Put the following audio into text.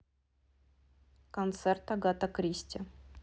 концерт агата кристи